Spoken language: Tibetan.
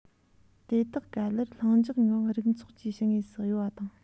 དེ དག ག ལེར ལྷིང འཇགས ངང རིགས ཚོགས ཀྱི ཕྱི ངོས སུ གཡོ བ དང